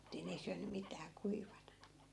että ei ne ei syönyt mitään kuivana